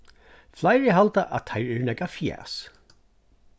fleiri halda at teir eru nakað fjas